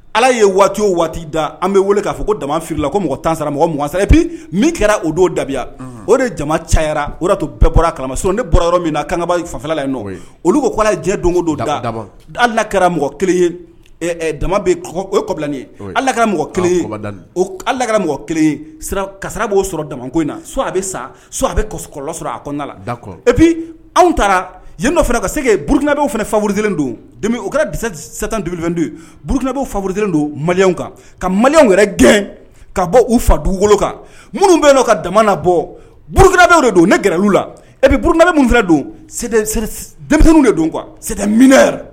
Ala ye waati o waati da an bɛ wele k'a fɔ ko dala ko mɔgɔ tan sara mɔgɔ mɔgɔ sap min kɛra o don dabiya o de jama cayayara o to bɛɛ bɔra kalama sɔn ne bɔra yɔrɔ min na kangabafala olu ko' jɛ don don da ala kɛra mɔgɔ kelen dama kɔ alara mɔgɔ kelenra mɔgɔ kelen ka b'o sɔrɔ dama ko na so a bɛ sa so a bɛ kɔkɔlɔn sɔrɔ ap anw taara yen fana ka sekeurukinabuw fana faurudelen don o kɛra di tan don burukina faurutlen don ma kan ka ma g gɛn ka bɔ u fa dugu kan minnu bɛ' ka dama na bɔ burukinaw de don ne gɛrɛ la e bɛ buruina min don denmisɛnnin de don kuwasɛte minɛ